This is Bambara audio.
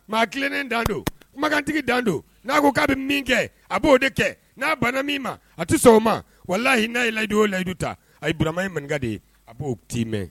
Maa tilennen dan don, kumakantigi dan don, n'a ko k' a bɛ min kɛ, a b' o de kɛ, n'a bana min ma a tɛ sɔn o ma, walahi n'a ye lahidu o lahidu ta, ayi Burama ye maninka de ye, a b'o timɛ